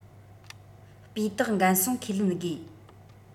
སྤུས དག འགན སྲུང ཁས ལེན དགོས